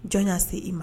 Jɔn y'a se i ma